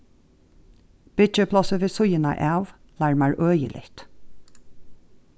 byggiplássið við síðuna av larmar øgiligt